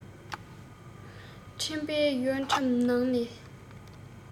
འཕྲིན པས གཡོ ཁྲམ ནང ནས